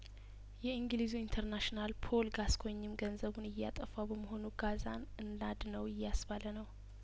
የእንግሊዙ ኢንተርናሽናል ፖል ጋስኮይኝም ገንዘቡ እያጠፋው በመሆኑ ጋዛን እናድነው እያስባለነው